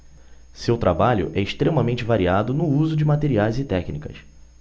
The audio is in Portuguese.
seu trabalho é extremamente variado no uso de materiais e técnicas